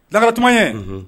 Dankaratuma ɲɛ